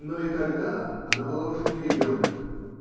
Но и тогда она была уже не ребенком.